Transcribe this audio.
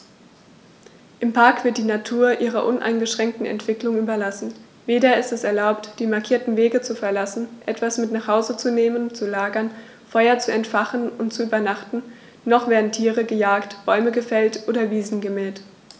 Im Park wird die Natur ihrer uneingeschränkten Entwicklung überlassen; weder ist es erlaubt, die markierten Wege zu verlassen, etwas mit nach Hause zu nehmen, zu lagern, Feuer zu entfachen und zu übernachten, noch werden Tiere gejagt, Bäume gefällt oder Wiesen gemäht.